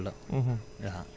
boobu tamit méthode la